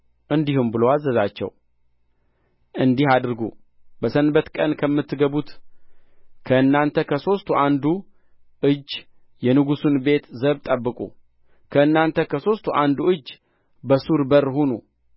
እንዲህም ብሎ አዘዛቸው እንዲህ አድርጉ በሰንበት ቀን ከምትገቡት ከእናንተ ከሦስት አንዱ እጅ የንጉሡን ቤት ዘብ ጠብቁ ከእናንተ ከሦስት አንዱ እጅ በሱር በር ሁኑ